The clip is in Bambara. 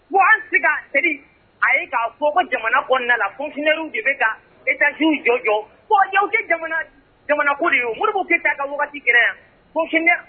Jamana kɔnɔna kounɛ jɔ jɔ jamana ye ke ka yan